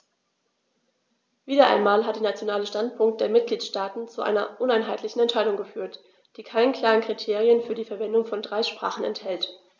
Wieder einmal hat der nationale Standpunkt der Mitgliedsstaaten zu einer uneinheitlichen Entscheidung geführt, die keine klaren Kriterien für die Verwendung von drei Sprachen enthält.